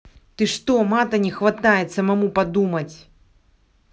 ты что мата не хватает самому подумать